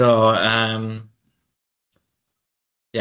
Do.